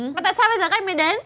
mà tại sao bây giờ các anh mới đến